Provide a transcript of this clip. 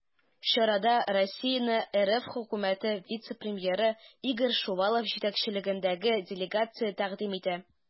Чарада Россияне РФ Хөкүмәте вице-премьеры Игорь Шувалов җитәкчелегендәге делегация тәкъдим итә.